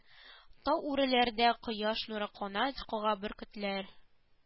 Тау-үреләрдә кояш нуры канат кага бөркетләр